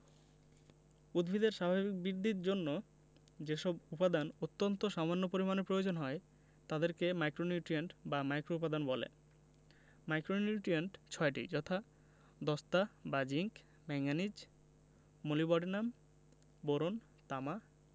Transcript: উদ্ভিদের স্বাভাবিক বৃদ্ধির জন্য যেসব উপাদান অত্যন্ত সামান্য পরিমাণে প্রয়োজন হয় তাদেরকে মাইক্রোনিউট্রিয়েন্ট বা মাইক্রোউপাদান বলে মাইক্রোনিউট্রিয়েন্ট ৬টি যথা দস্তা বা জিংক ম্যাংগানিজ মোলিবডেনাম বোরন তামা